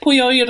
pwy a wyr...